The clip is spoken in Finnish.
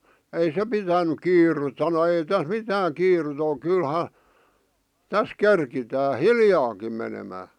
ei se pitänyt kiirettä sanoi ei tässä mitään kiirettä ole kyllähän tässä keritään hiljaakin menemään